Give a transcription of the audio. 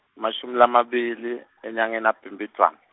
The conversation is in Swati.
emashumi lamabili , enyangeni yaBhimbidvwane.